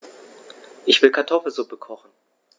Ich will Kartoffelsuppe kochen.